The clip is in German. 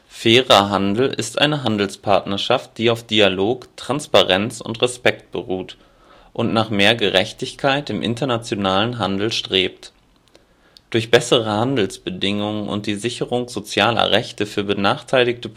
Fairer Handel ist eine Handelspartnerschaft, die auf Dialog, Transparenz und Respekt beruht und nach mehr Gerechtigkeit im internationalen Handel strebt. Durch bessere Handelsbedingungen und die Sicherung sozialer Rechte für benachteiligte